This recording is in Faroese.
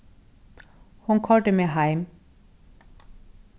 hon koyrdi meg heim